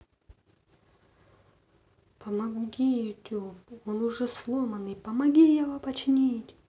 помоги youtube он уже сломоной помоги его починить